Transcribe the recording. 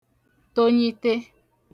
tonyite